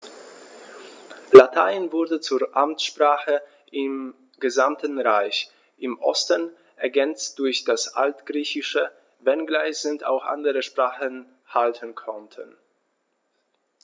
Latein wurde zur Amtssprache im gesamten Reich (im Osten ergänzt durch das Altgriechische), wenngleich sich auch andere Sprachen halten konnten.